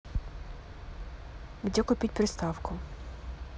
где купить приставку